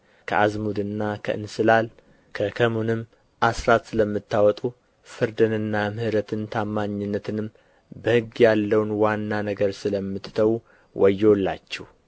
ከአዝሙድና ከእንስላል ከከሙንም አሥራት ስለምታወጡ ፍርድንና ምሕረትን ታማኝነትንም በሕግ ያለውን ዋና ነገር ስለምትተዉ ወዮላችሁ